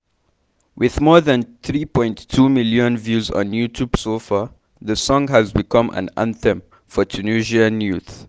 With more than 3.4 million views on YouTube so far, the song has become an anthem for Tunisian Youth.